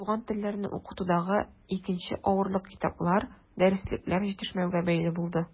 Туган телләрне укытудагы икенче авырлык китаплар, дәреслекләр җитешмәүгә бәйле булды.